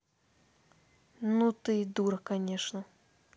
ну ты дура конечно